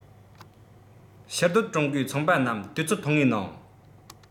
ཕྱིར སྡོད ཀྲུང གོའི ཚོང པ རྣམས དུས ཚོད ཐུང ངུའི ནང